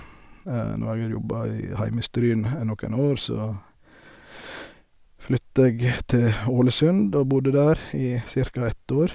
ett år.